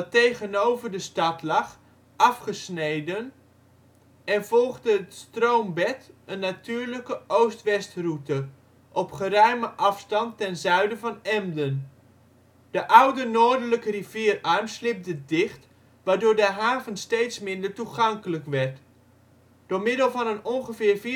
tegenover de stad lag afgesneden en volgde het stroombed een natuurlijke oost-westroute, op geruime afstand ten zuiden van Emden. De oude noordelijke rivierarm slibde dicht, waardoor de haven steeds minder toegankelijk werd. Door middel van een ongeveer 4,5